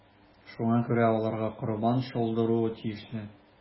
Шуңа күрә аларга корбан чалдыру тиешле.